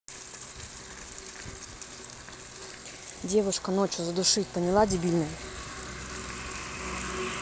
девушка ночью задушить поняла дебильная